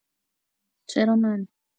چرا من؟